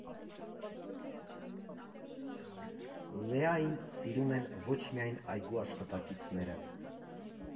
Լեային սիրում են ոչ միայն այգու աշխատակիցները։